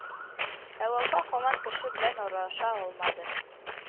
Ә Вафа һаман кеше белән аралаша алмады